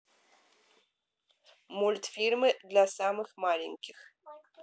мультфильмы для самых маленьких